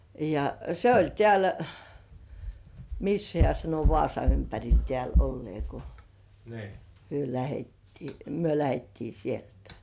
ja se oli täällä missä hän sanoi Vaasan ympärillä täällä olleen kun he lähdettiin me lähdettiin sieltä